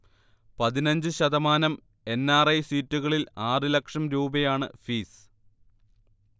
പതിനഞ്ച് ശതമാനം N. R. I സീറ്റുകളിൽ ആറ് ലക്ഷം രൂപയാണ് ഫീസ്